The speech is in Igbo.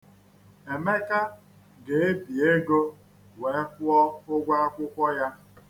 Emeka ga-ebi ego wee kwụọ ụgwọ akwụkwọ ya.